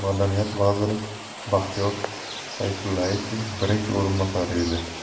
madaniyat vaziri baxtiyor sayfullayevning birinchi o'rinbosari edi